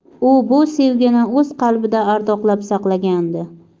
u bu sevgini o'z qalbida ardoqlab saqlagandi